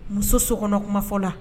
Muso sokɔnɔ kumafɔ la